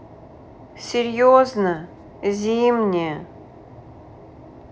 серьезно зимнее